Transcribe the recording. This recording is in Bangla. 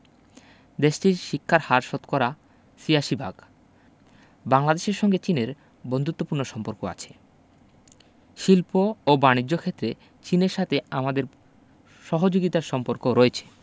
দেশটির শিক্ষার হার শতকরা ৮৬ ভাগ বাংলাদেশের সঙ্গে চীনের বন্ধুত্বপূর্ণ সম্পর্ক আছে শিল্প ও বানিজ্য ক্ষেত্রে চীনের সাথে আমাদের সহযোগিতার সম্পর্কও রয়েছে